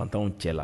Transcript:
Antanw cɛla la